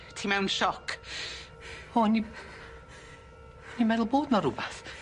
Ti mewn sioc. O'n i... O'n i meddwl bod 'na rwbath.